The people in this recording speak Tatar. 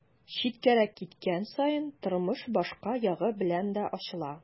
Читкәрәк киткән саен тормыш башка ягы белән дә ачыла.